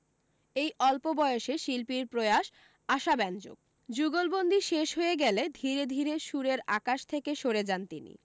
এই অল্পবয়সে শিল্পীর প্রয়াস আশাব্যঞ্জক যুগলবন্দি শেষ হয়ে গেলে ধীরে ধীরে সুরের আকাশ থেকে সরে যান তিনি